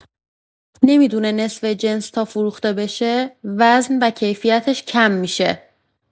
نمی‌دونه نصف جنس تا فروخته بشه، وزن و کیفیتش کم می‌شه.